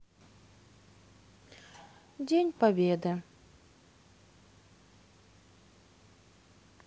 день победы